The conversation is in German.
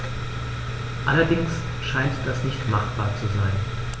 Allerdings scheint das nicht machbar zu sein.